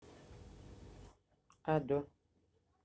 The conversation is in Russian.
адо